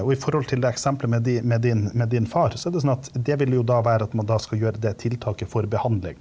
og i forhold til det eksemplet med med din med din far, så er det sånn at det vil jo da være at man da skal gjøre det tiltaket for behandling.